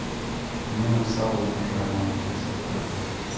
мне написала умершая мама часть вторая